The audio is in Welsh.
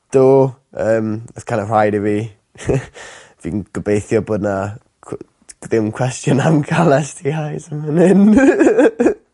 Do yym odd kinda rhaid i f. Fi'n gobeithio bod 'na cw- t- dim cwestiwn am ca'l Ess Tee Eyes yn fan 'yn.